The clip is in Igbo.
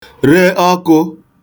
re ọkụ̄